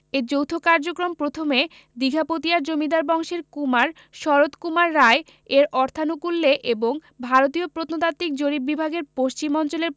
এ যৌথ কার্যক্রম প্রথমে দিঘাপতিয়ার জমিদার বংশের কুমার শরৎ কুমার রায় এর অর্থানুকূল্যে এবং ভারতীয় প্রত্নতাত্ত্বিক জরিপ বিভাগের পশ্চিম অঞ্চলের